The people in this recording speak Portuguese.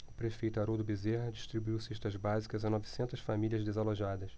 o prefeito haroldo bezerra distribuiu cestas básicas a novecentas famílias desalojadas